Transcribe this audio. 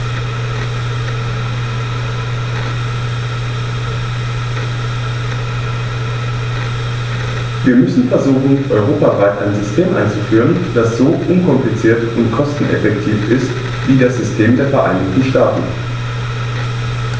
Wir müssen versuchen, europaweit ein System einzuführen, das so unkompliziert und kosteneffektiv ist wie das System der Vereinigten Staaten.